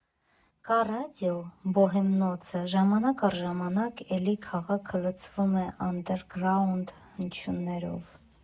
Կա ռադիո «Բոհեմնոցը», ժամանակ առ ժամանակ էլի քաղաքը լցվում է անդերգրաունդ հնչյուններով։